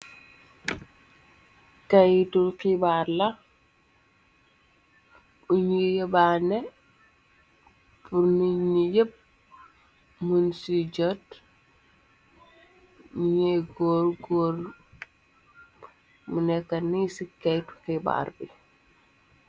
Kaytu xibaar la uñuy yebaa ne purni ni yépp munci jot ñ góor góor mu nekka ni ci kaytu xibaar bi.